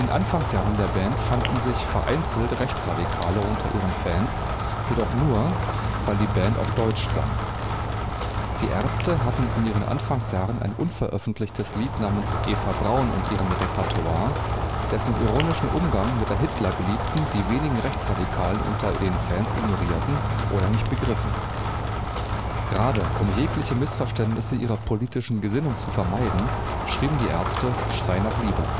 Anfangsjahren der Band fanden sich vereinzelt Rechtsradikale unter ihren Fans, jedoch nur weil die Band auf Deutsch sang. Die Ärzte hatten in ihren Anfangsjahren ein (unveröffentlichtes) Lied namens „ Eva Braun “in ihrem Repertoire, dessen ironischen Umgang mit der Hitler-Geliebten die wenigen Rechtsradikalen unter den Fans ignorierten oder nicht begriffen. Gerade um jegliche Missverständnisse ihrer politischen Gesinnung zu vermeiden, schrieben die Ärzte „ Schrei nach Liebe